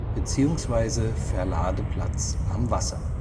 Hafen, Verladeplatz am Wasser